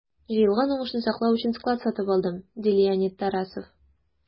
Җыелган уңышны саклау өчен склад сатып алдым, - ди Леонид Тарасов.